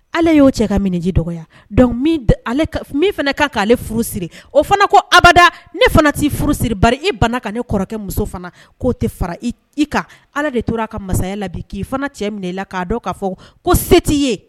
Ale y'o cɛ ka miniji dɔgɔ fana k'a'ale furu siri o fana koda ne fana t'i furu siri ba i bana ka ne kɔrɔkɛ muso k'o tɛ fara i kan ala de tora' ka mansa masaya la bi k'i fana cɛ minɛ i la'a dɔn k'a fɔ ko se'i ye